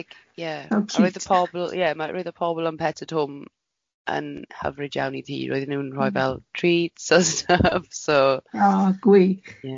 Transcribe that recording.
Ie ie a roedd y pobl, ie roedd y pobl yn Pets at Home yn hyfryd iawn i fi yn, roedden nhw yn roi fel treats a stuff, so... Oh gwych.